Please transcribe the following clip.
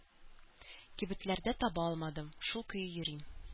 Кибетләрдә таба алмадым, шул көе йөрим.